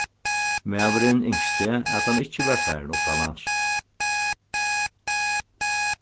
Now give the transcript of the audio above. maðurin ynskti at hann ikki var farin uttanlands